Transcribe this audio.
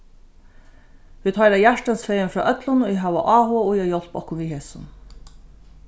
vit hoyra hjartans fegin frá øllum ið hava áhuga í at hjálpa okkum við hesum